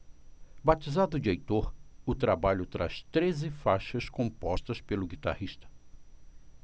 batizado de heitor o trabalho traz treze faixas compostas pelo guitarrista